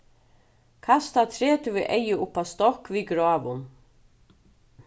kasta tretivu eygu upp á stokk við gráum